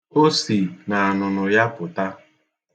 O si n'anụnụ ya pụta.